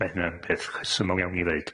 mae hynna'n peth rhesymol iawn i ddeud.